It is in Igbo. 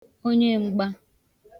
onyem̄gba